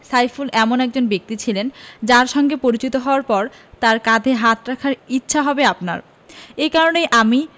সাইফুল এমন একজন ব্যক্তি ছিলেন যাঁর সঙ্গে পরিচিত হওয়ার পর তাঁর কাঁধে হাত রাখার ইচ্ছা হবে আপনার এ কারণেই আমি